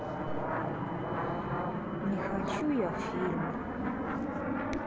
не хочу я фильм